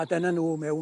A dyna n'w mewn.